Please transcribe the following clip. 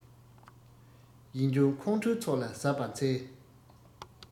ཡིད འབྱུང ཁོང ཁྲོའི ཚོགས ལ གཟབ པར འཚལ